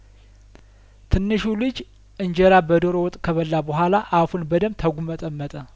ትንሹ ልጅ እንጀራ በዶሮ ወጥ ከበላ በኋላ አፉን በደምብ ተጉመጠመጠ